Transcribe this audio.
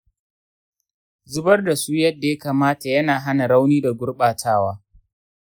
zubar da su yadda ya kamata yana hana rauni da gurbatawa.